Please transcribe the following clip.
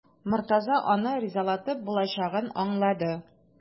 Мортаза аны ризалатып булачагын аңлады.